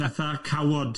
fatha cawod.